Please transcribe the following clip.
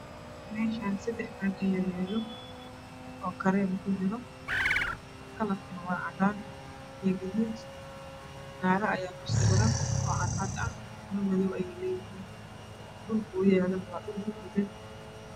Meshaan sadex caag aya yalo oo kareem ku jiro kalarkana waa cadaan iyo gadud nago aya ku sawiran oo cad cad ah timo madow ayey leyihn dhulka u yalo na waa dhul gadudan